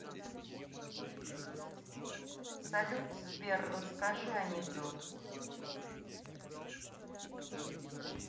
салют сбер расскажи анекдот